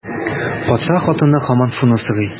Патша хатыны һаман шуны сорый.